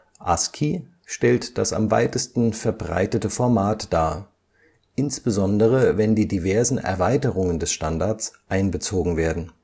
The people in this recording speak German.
ASCII stellt das am weitesten verbreitete Format dar – insbesondere, wenn die diversen Erweiterungen des Standards einbezogen werden